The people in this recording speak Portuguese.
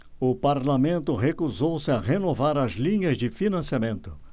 o parlamento recusou-se a renovar as linhas de financiamento